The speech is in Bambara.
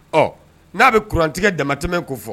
Ɔ n'a bɛ courant tigɛ damatɛmɛ ko fɔ